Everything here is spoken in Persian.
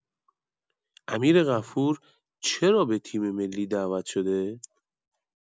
امیر غفور چرا به تیم‌ملی دعوت شده؟